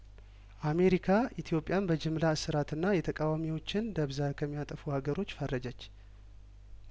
አሜሪካ ኢትዮጵያን በጅምላ እስራትና የተቃዋሚዎችን ደብዛ ከሚያጠፉ ሀገሮች ፈረጀች